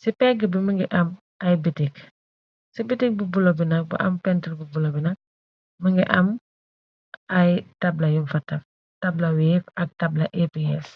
ci pégg bi mëngi am ay bitik ci bitik bu bulo bi nak bu am pentr bu bulo bi nag mëngi am ay tabbla yum fataf tabla wiif ak tabla aps.